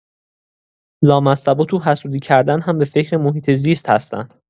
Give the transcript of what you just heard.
لامصبا تو حسودی کردن هم به فکر محیط‌زیست هستن.